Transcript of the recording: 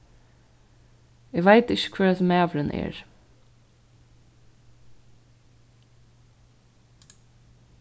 eg veit ikki hvør hasin maðurin er